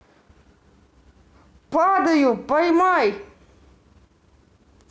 падаю поймай